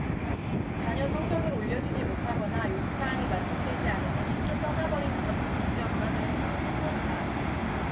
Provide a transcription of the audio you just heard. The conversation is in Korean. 자녀 성적을 올려주지 못하거나 요구사항이 만족되지 않으면 쉽게 떠나 버리는 것도 돼지 엄마들의 행동 패턴이다